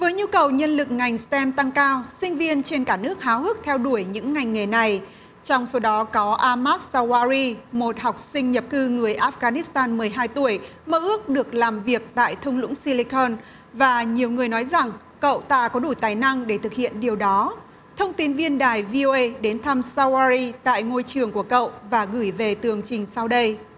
với nhu cầu nhân lực ngành sờ tem tăng cao sinh viên trên cả nước háo hức theo đuổi những ngành nghề này trong số đó có a mát sa oa ri một học sinh nhập cư người áp ga nít tan mười hai tuổi mơ ước được làm việc tại thung lũng si li con và nhiều người nói rằng cậu ta có đủ tài năng để thực hiện điều đó thông tín viên đài vi o ây đến thăm sa oa ri tại ngôi trường của cậu và gửi về tường trình sau đây